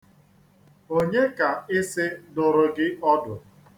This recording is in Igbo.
Ụkọchukwu ga-adụ ụmụnwaanyị niile ọdụ taa.